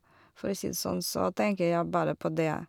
For å si det sånn, så tenker jeg bare på det.